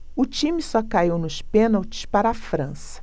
o time só caiu nos pênaltis para a frança